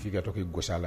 F'i ka to k'i gos'a la.